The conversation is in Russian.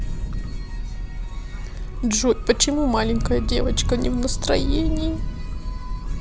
джой почему маленькая девочка не в настроении